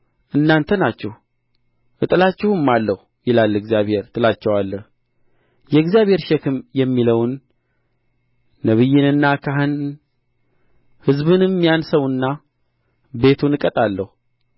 እናንተ ናችሁ እጥላችሁማለህ ይላል እግዚአብሔር ትላቸዋለህ የእግዚአብሔር ሸክም የሚለውን ነቢይንና ካህንን ሕዝቡንም ያን ሰውና ቤቱን እቀጣለሁ